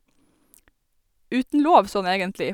Uten lov, sånn egentlig.